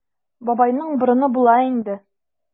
Бабайның борыны була инде.